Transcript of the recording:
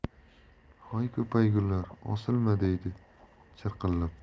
hoy ko'paygur osilma deydi chirqillab